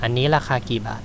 อันนี้ราคากี่บาท